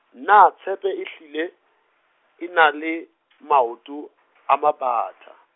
na tshephe ehlile, e na le, maoto, a mabatha?